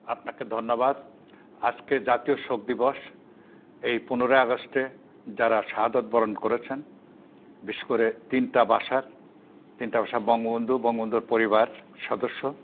আপনাকে ধন্যবাদ আজকে জাতীয় শোক দিবস এই 15 আগস্ট এ যারা শাহাদাত বরণ করেছেন বিশেষ করে তিনটা বাসার তিনটা বাসা বঙ্গবন্ধু বঙ্গবন্ধুর পরিবার সদস্য